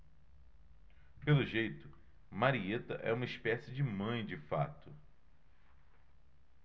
pelo jeito marieta é uma espécie de mãe de fato